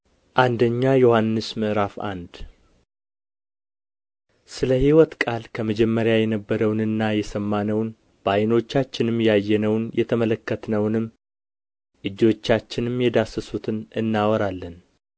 አንደኛ ዮሐንስ ምዕራፍ አንድ ስለ ሕይወት ቃል ከመጀመሪያው የነበረውንና የሰማነውን በዓይኖቻችንም ያየነውን የተመለከትነውንም እጆቻችንም የዳሰሱትን እናወራለን